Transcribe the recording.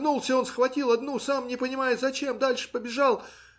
Нагнулся он, схватил одну, сам не понимая зачем, дальше побежал.